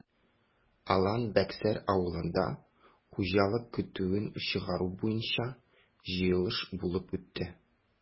Алан-Бәксәр авылында хуҗалык көтүен чыгару буенча җыелыш булып үтте.